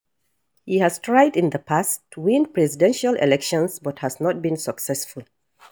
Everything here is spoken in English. He has tried in the past to win presidential elections but has not been successful.